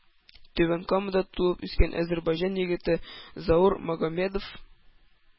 Түбән Камада туып-үскән әзербайҗан егете Заур Магомедов